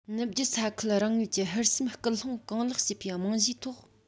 ནུབ རྒྱུད ས ཁུལ རང ངོས ཀྱི ཧུར སེམས སྐུལ སློང གང ལེགས བྱེད པའི རྨང གཞིའི ཐོག